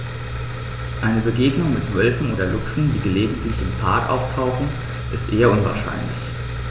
Eine Begegnung mit Wölfen oder Luchsen, die gelegentlich im Park auftauchen, ist eher unwahrscheinlich.